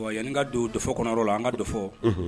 Yanani ka don dɔ kɔnɔ la an ka dɔfɔ